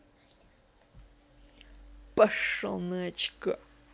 пошел на очко